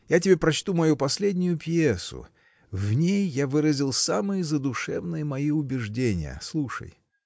Я тебе прочту мою последнюю пиесу: в ней я выразил самые задушевные мои убеждения. Слушай.